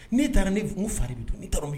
N'i taara niunu fari bɛ don min yen